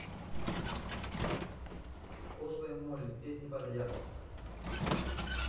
пошлая молли песни подряд